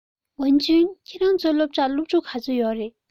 ཝུན ཅུན ཁྱོད རང ཚོའི སློབ གྲྭར སློབ ཕྲུག ག ཚོད ཡོད རེད